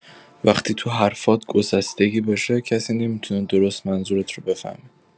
وقتی تو حرفات گسستگی باشه، کسی نمی‌تونه درست منظورت رو بفهمه.